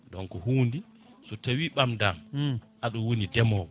donc hunde so tawi ɓamdama aɗa woni ndemowo